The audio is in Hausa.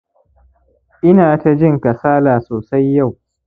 inata jin kasala sosai yau